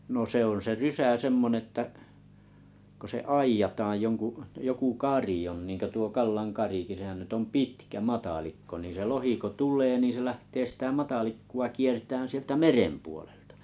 no se on se rysä semmoinen että kun se aidataan jonkun joku kari on niin kuin tuo Kallan karikin sehän nyt on pitkä matalikko niin se lohi kun tulee niin se lähtee sitä matalikkoa kiertämään sieltä meren puolelta